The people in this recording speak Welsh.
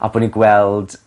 a bo' ni'n gweld